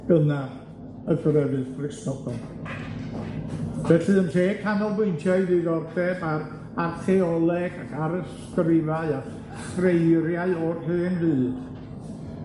gynnar y Grefydd Gristnogol, felly yn lle canolbwyntio ei ddiddordeb ar archeoleg ac ar ysgrifau a chreiriau o'r hen fyd